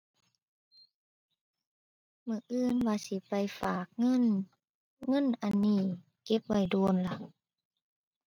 มื้ออื่นว่าสิไปฝากเงิน เงินอันนี้เก็บไว้โดนล่ะ